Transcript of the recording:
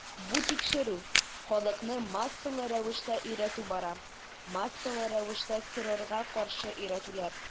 Бу тикшерү, халыкны массалы рәвештә өйрәтү бара, массалы рәвештә террорга каршы өйрәтүләр.